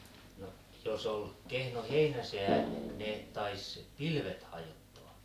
no jos oli kehno heinäsää ne taisi pilvet hajottaa